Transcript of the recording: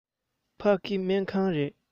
ཕ གི སྨན ཁང རེད